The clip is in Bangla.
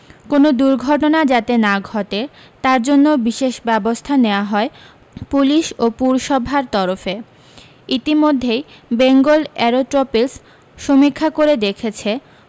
কোনও দুর্ঘটনা যাতে না ঘটে তার জন্য বিশেষ ব্যবস্থা নেওয়া হয় পুলিশ ও পুরসভার তরফে ইতিমধ্যেই বেঙ্গল এরোট্রপিলস সমীক্ষা করে দেখেছে